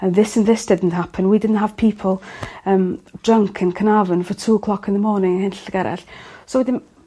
and this and this didn't happen we didn't have people yym drunk in Canarvon for two clock in the morning neu hen arall. So wedyn